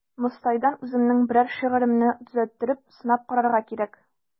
Мостайдан үземнең берәр шигыремне төзәттереп сынап карарга кирәк.